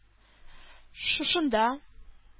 Шушында